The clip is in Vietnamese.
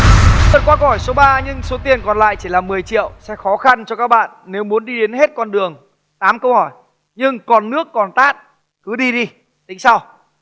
vượt qua câu hỏi số ba nhưng số tiền còn lại chỉ là mười triệu sẽ khó khăn cho các bạn nếu muốn đi đến hết con đường tám câu hỏi nhưng còn nước còn tát cứ đi đi tính sau